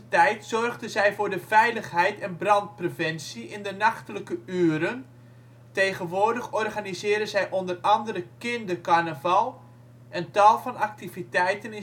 tijd zorgden zij voor de veiligheid en brandpreventie in de nachtelijke uren, tegenwoordig organiseren zij onder andere Kindercarnaval en tal van activiteiten